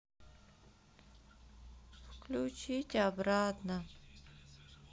включись обратно